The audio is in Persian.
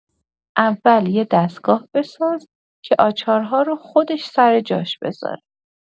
اول یه دستگاه بساز که آچارها رو خودش سر جاش بذاره.